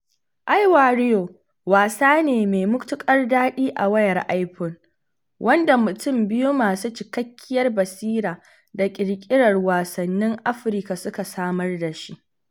iWarrior wasa ne mai matuƙar daɗi a wayar Iphone, wanda mutum biyu masu cikakkiyar basira da ƙirƙirar wasannin Afirka suka samar dashi.